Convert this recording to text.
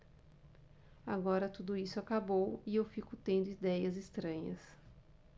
agora tudo isso acabou e eu fico tendo idéias estranhas